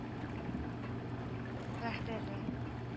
Вәгъдәле